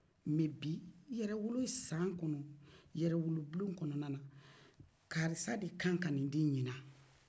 mɛ yɛrɛwolo san kɔnɔ yɛrɛwolobulon kɔnɔnan na karisa de ka kan ka ni di ɲina